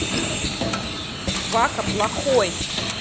вака плохой